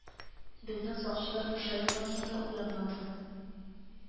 Безнең сакчылар бу шайбадан соң да уянмады